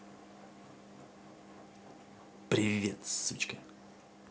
привет сучка